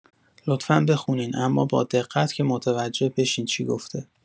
لطفا بخونین اما با دقت که متوجه بشین چی گفته.